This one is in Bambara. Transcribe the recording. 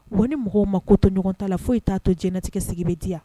Wa ni mɔgɔw ma ko to ɲɔgɔn ta la fo foyi t'a to diɲɛlatigɛ sigi bɛ diya